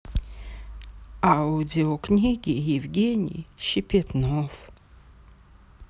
аудиокниги евгений щепетнов